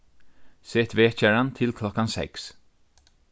set vekjaran til klokkan seks